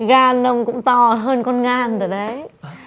gan ông cũng to hơn con ngan rồi đấy